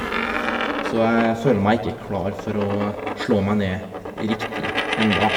Så jeg føler meg ikke klar for å slå meg ned riktig enda.